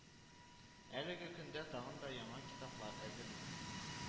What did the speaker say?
Әлеге көндә тагын да яңа китаплар әзерли